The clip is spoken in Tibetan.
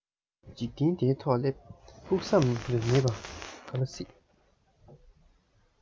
འཇིག རྟེན འདིའི ཐོག སླེབས ཕུགས བསམ རེ མེད པ ག ལ སྲིད